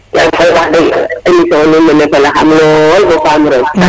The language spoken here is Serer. yaag koy wax deg émission nena nuun a fela xam lool bo pam roog